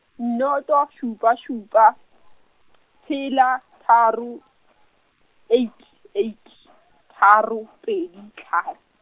noto, šupa, šupa , tshela, tharo, eight, eight, tharo, pedi, tha-.